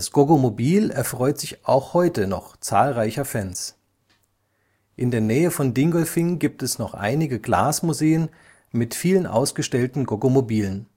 Goggomobil erfreut sich auch heute noch zahlreicher Fans. In der Nähe von Dingolfing gibt es noch einige Glas-Museen mit vielen ausgestellten Goggomobilen